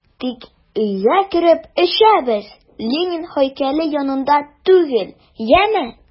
Тик өйгә кереп эчәбез, Ленин һәйкәле янында түгел, яме!